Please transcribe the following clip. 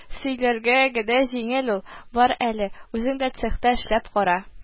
Сөйләргә генә җиңел ул, бар әле, үзең ул цехта эшләп кара